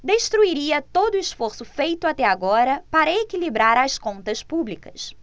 destruiria todo esforço feito até agora para equilibrar as contas públicas